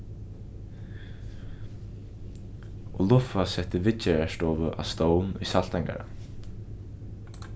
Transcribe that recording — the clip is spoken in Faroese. oluffa setti viðgerðarstovu á stovn í saltangará